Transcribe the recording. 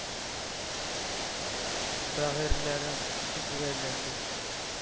Бәгырьләрем өзгәләнде,